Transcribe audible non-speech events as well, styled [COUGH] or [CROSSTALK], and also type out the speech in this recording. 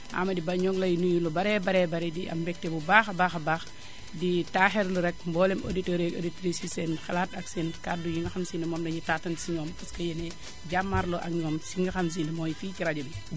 Amady Ba ñoo ngi lay nuyu lu baree bari bari di am mbégte bu baax a baax baax a baax [MUSIC] di taaxirlu rekk mbooleem auditeurs yi auditrices ci seen xalaat ak seen kàddu yi nga xam ne si moom lañuy taataan ci ñoom parce que [MUSIC] yéen ay jàmmarloo ak ñoom ci li nga xam ne sii mooy fii ci rajo bi